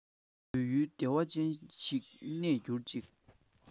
བོད ཡུལ བདེ བ ཅན བཞིན གནས འགྱུར ཅིག